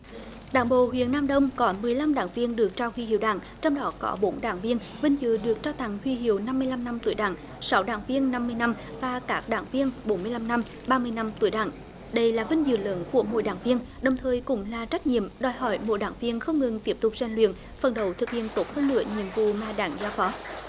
đảng bộ huyện nam đồng có mười lăm đảng viên được trao huy hiệu đảng trong đó có bốn đảng viên vinh dự được trao tặng huy hiệu năm mươi lăm năm tuổi đảng sáu đảng viên năm mươi năm và các đảng viên bốn mươi lăm năm ba mươi năm tuổi đảng đây là vinh dự lớn của mỗi đảng viên đồng thời cũng là trách nhiệm đòi hỏi mỗi đảng viên không ngừng tiếp tục rèn luyện phấn đấu thực hiện tốt hơn nữa nhiệm vụ mà đảng giao phó